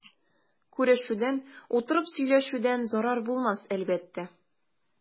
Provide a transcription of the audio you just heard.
Күрешүдән, утырып сөйләшүдән зарар булмас әлбәттә.